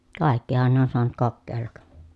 kaikkihan ne on saanut kokeilla